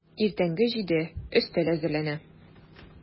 Иртәнге җиде, өстәл әзерләнә.